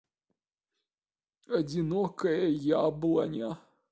одинокая яблоня